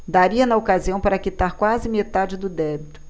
daria na ocasião para quitar quase metade do débito